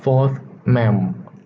โฟธแหม่ม